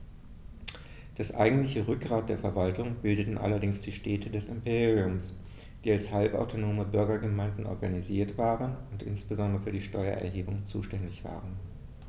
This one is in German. Das eigentliche Rückgrat der Verwaltung bildeten allerdings die Städte des Imperiums, die als halbautonome Bürgergemeinden organisiert waren und insbesondere für die Steuererhebung zuständig waren.